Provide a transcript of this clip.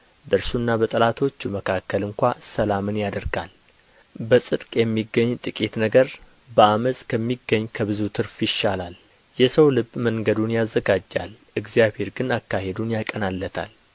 በእርሱና በጠላቶቹ መካከል ስንኳ ሰላምን ያደርጋል በጽድቅ የሚገኝ ጥቂት ነገር በዓመፅ ከሚገኝ ከብዙ ትርፍ ይሻላል የሰው ልብ መንገዱ ያዘጋጃል እግዚአብሔር ግን አካሄዱን ያቀናለታል